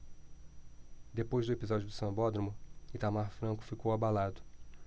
depois do episódio do sambódromo itamar franco ficou abalado